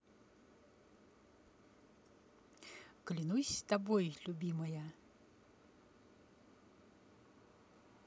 клянусь тобой любимая